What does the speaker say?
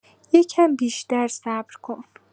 یه کم بیشتر صبر کن